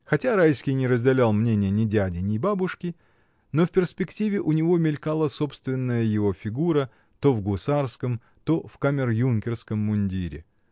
Хотя Райский не разделял мнения ни дяди, ни бабушки, но в перспективе у него мелькала собственная его фигура, то в гусарском, то в камер-юнкерском мундире.